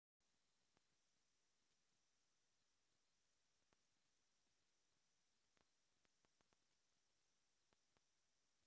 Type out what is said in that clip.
бесконечная любовь первая серия турецкий сериал